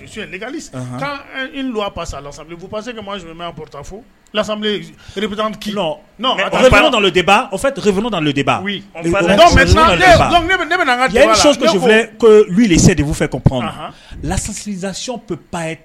De fɛ